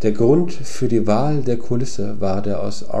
Grund für die Wahl der Kulisse war der aus